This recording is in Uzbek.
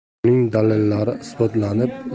uning dalillari isbotlanib